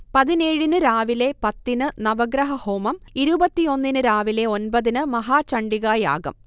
പതിനേഴിന് രാവിലെ പത്തിന് നവഗ്രഹഹോമം, ഇരുപത്തിയൊന്നിന് രാവിലെ ഒൻപതിന് മഹാചണ്ഡികായാഗം